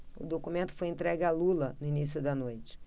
o documento foi entregue a lula no início da noite